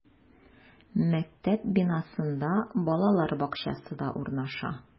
Мәктәп бинасында балалар бакчасы да урнаша.